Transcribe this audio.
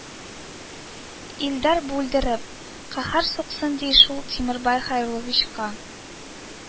Илдар (бүлдереп): Каһәр суксын диң шул Тимербай Хәйрулловичка